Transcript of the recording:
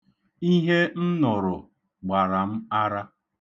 Ihe m nụrụ gbara m ara.